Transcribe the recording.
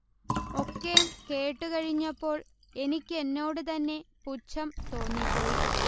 ഒക്കേം കേട്ടുകഴിഞ്ഞപ്പോൾ എനിക്കെന്നോടു തന്നെ പുച്ഛം തോന്നിപ്പോയി